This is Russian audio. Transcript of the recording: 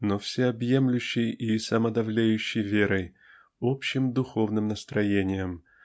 но всеобъемлющей и самодовлеющей верой общим духовным настроением